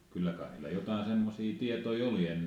kyllä kai niillä jotakin semmoisia tietoja oli ennen